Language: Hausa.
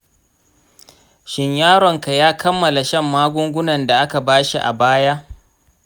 shin yaronka ya kammala shan magungunan da aka bashi a baya?